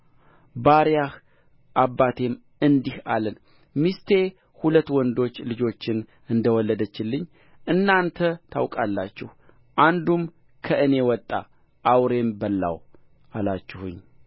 ባሪያህ አባቴም እንዲህ አለን ሚስቴ ሁለት ወንዶች ልጆችን እንደ ወለደችልኝ እናንተ ታውቃላችሁ አንዱም ከእኔ ወጣ አውሬ በላው አላችሁኝ